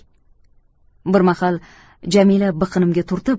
bir mahal jamila biqinimga turtib